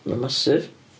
Ma'n massive.